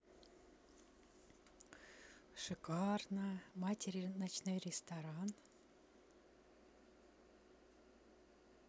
шикарно матери ночной ресторан